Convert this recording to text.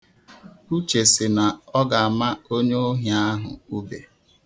Uche si na ọ ga-ama onyeohi ahụ ube.